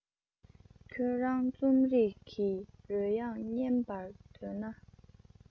ཁྱོད རང རྩོམ རིག གི རོལ དབྱངས ཉན པར འདོད ན